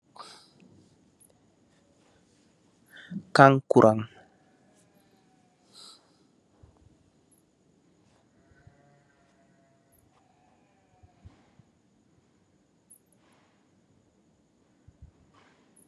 Kangkurange